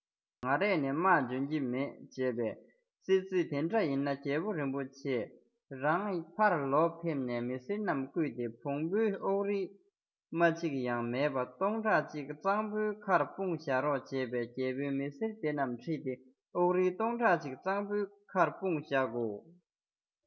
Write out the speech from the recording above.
ང རས ནི དམག འཇོན གྱི མེད བྱས པས ཙི ཙིས དེ འདྲ ཡིན ན རྒྱལ པོ རིན པོ ཆེ རང ཕར ལོག ཕེབས ནས མི སེར རྣམས སྐུལ ཏེ བོང བུའི ཨོག རིལ རྨ ཅིག ཡང མེད པ སྟོང ཕྲག གཅིག གཙང པོའི ཁར སྤུངས བཞག རོགས བྱས པས རྒྱལ པོས མི སེར དེ རྣམས ཁྲིད དེ ཨོག རིལ སྟོང ཕྲག གཅིག གཙང པོའི ཁར སྤུངས བཞག གོ